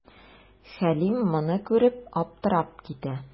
Хәлим моны күреп, аптырап китә.